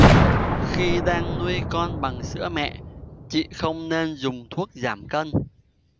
khi đang nuôi con bằng sữa mẹ chị không nên dùng thuốc giảm cân